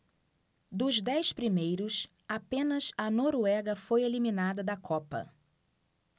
dos dez primeiros apenas a noruega foi eliminada da copa